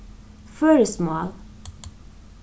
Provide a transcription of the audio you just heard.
føroyskt mál